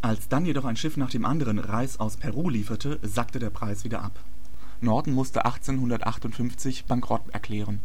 Als dann jedoch ein Schiff nach dem anderen Reis aus Peru lieferte, sackte der Preis wieder ab. Norton musste 1858 Bankrott erklären